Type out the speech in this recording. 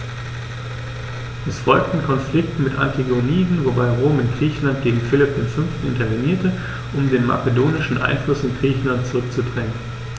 Es folgten Konflikte mit den Antigoniden, wobei Rom in Griechenland gegen Philipp V. intervenierte, um den makedonischen Einfluss in Griechenland zurückzudrängen.